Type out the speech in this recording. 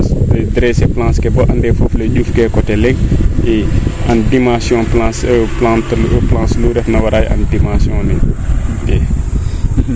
dresser planche ke boo andee foof le njuf kee coté leŋ i an dimension planche plante fuu refna wara an dimension ne i